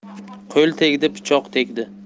qo'l tegdi pichoq tegdi